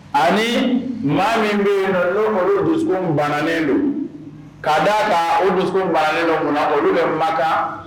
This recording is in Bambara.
Ani maa minnu bɛ yen nɔ ni olu dusukun bananen don, ka d'a kan o dusu bananen don munna olu bɛ Makan